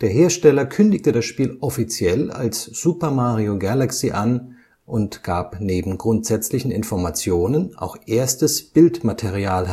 Hersteller kündigte das Spiel offiziell als Super Mario Galaxy an und gab neben grundsätzlichen Informationen auch erstes Bildmaterial